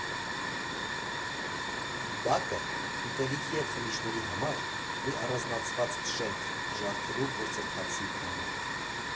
Բակը՝ ուտելիքի և խմիչքների համար, մի առանձնացված շենք՝ ջարդելու գործընթացի համար։